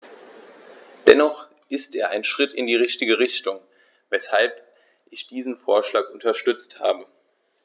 Dennoch ist er ein Schritt in die richtige Richtung, weshalb ich diesen Vorschlag unterstützt habe.